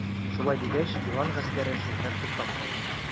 Шулай дигәч, елан гаскәре шүрләп туктап калды.